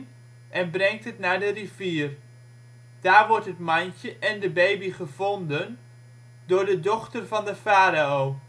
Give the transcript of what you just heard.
brengt het naar de rivier. Daar wordt het mandje en de baby gevonden door de dochter van de farao